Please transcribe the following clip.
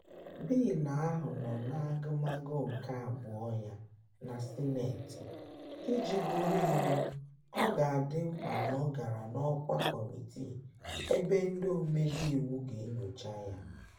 Bịịlụ ahụ ugbu a nọ n'agụmagụ nke abụọ ya na Sineetị. Iji bụrụ iwu, ọ ga-adị mkpa na ọ gara n'ọkwa kọmitii ebe ndị omebe iwu ga-enyocha ya.